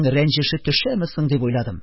Рәнҗеше төшәме соң дип уйладым.